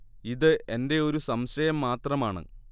ഇത് എന്റെ ഒരു സംശയം മാത്രമാണ്